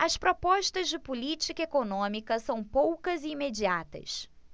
as propostas de política econômica são poucas e imediatas